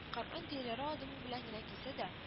Кәрван, дөяләре адымы белән генә килсә дә